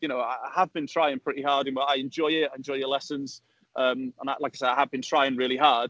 you know, I have been trying pretty hard, I enjoy it, I enjoy your lessons, um, and like I say, I have been trying really hard.